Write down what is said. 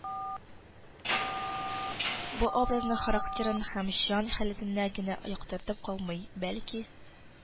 Бу образның характерын һәм җан халәтен генә яктыртып калмый, бәлки